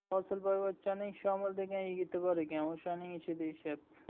hosilboyvachchaning shomil degan yigiti bor ekan o'shaning ishi deyishyapti